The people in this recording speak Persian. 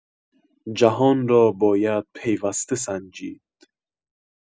جهان را باید پیوسته سنجید.